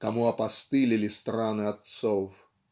кому опостылели страны отцов".